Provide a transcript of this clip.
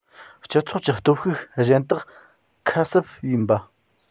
སྤྱི ཚོགས ཀྱི སྟོབས ཤུགས གཞན དག ཁ གསབ ཡིན པ